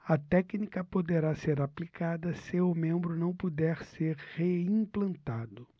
a técnica poderá ser aplicada se o membro não puder ser reimplantado